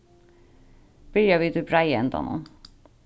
byrja við tí breiða endanum